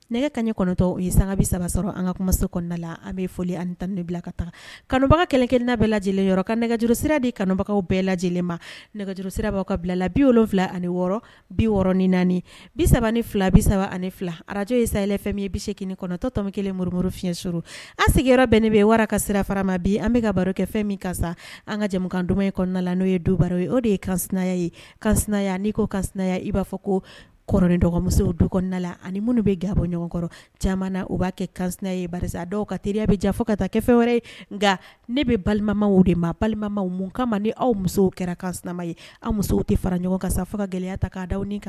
Saba an la an tanbaga lajɛlen kanubaga bɛɛ lajɛlen ani biɔrɔn bi bi araj bi an bɛka baro fɛn min ka an kakan la n'o ye don baro ye o de ye ka ye kas n'i ko kasya i b'a fɔ ko kɔrɔn dɔgɔmusow du kɔnɔna la ani minnu bɛ gabɔ ɲɔgɔnkɔrɔ caman na u b'a kɛ kans ye ba dɔw ka teriya bɛ jan fɔ ka taa kɛ fɛn wɛrɛ nka ne bɛ balimamaw de ma balimama mun ka ma aw musow kɛra kansma ye an musow tɛ fara ɲɔgɔn kan fo ka gɛlɛyaya ta' da kan